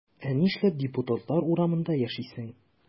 Ә нишләп депутатлар урамында яшисез?